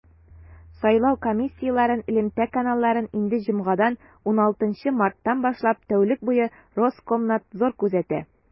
Сайлау комиссияләрен элемтә каналларын инде җомгадан, 16 марттан башлап, тәүлек буе Роскомнадзор күзәтә.